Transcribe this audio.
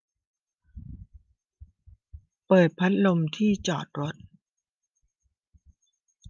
เปิดพัดลมที่จอดรถ